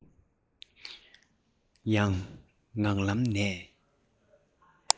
ཡང ངག ལམ ནས